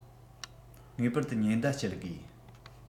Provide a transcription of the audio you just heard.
ངེས པར དུ ཉེན བརྡ སྐྱེལ དགོས